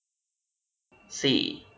สี่